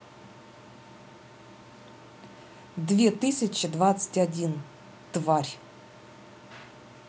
две тысячи двадцать один тварь